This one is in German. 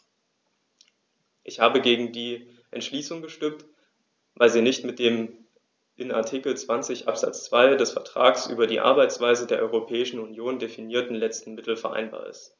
Ich habe gegen die Entschließung gestimmt, weil sie nicht mit dem in Artikel 20 Absatz 2 des Vertrags über die Arbeitsweise der Europäischen Union definierten letzten Mittel vereinbar ist.